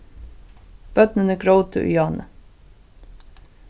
børnini grótu í áðni